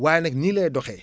waaye nag nii lay doxee